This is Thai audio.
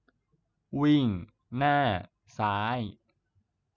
วิ่งหน้าซ้าย